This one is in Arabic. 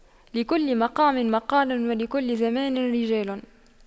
لكل مقام مقال ولكل زمان رجال